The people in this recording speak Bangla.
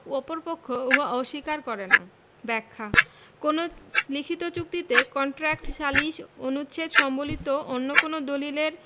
অপর পক্ষ উহা অস্বীকার করে না ব্যাখ্যাঃ কোন লিখিত চুক্তিতে কন্ট্রাক্ট সালিস অনুচ্ছেদ সম্বলিত অন্য কোন দালিলের